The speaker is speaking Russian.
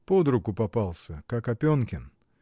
— Под руку попался, как Опенкин!